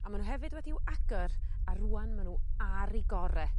a ma' n'w hefyd wedi'w agor a rŵan ma' n'w ar 'u gore.